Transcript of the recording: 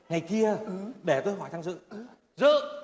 ngày kia để tôi hỏi thằng dự dự